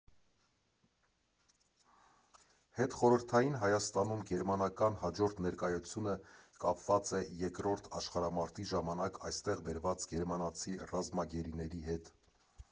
Հետխորհրդային Հայաստանում գերմանական հաջորդ ներկայությունը կապված է Երկրորդ աշխարհամարտի ժամանակ այստեղ բերված գերմանացի ռազմագերիների հետ։